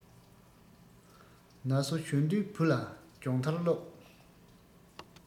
ན སོ གཞོན དུས བུ ལ སྦྱོང ཐར སློབས